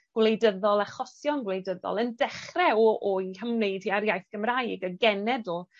gwleidyddol achosion gwleidyddol yn dechre o o'i hymwneud hi â'r iaith Gymraeg y genedl.